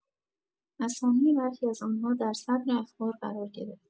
اسامی برخی از آنها در صدر اخبار قرار گرفت.